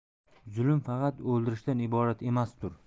zulm faqat o'ldirishdan iborat emasdur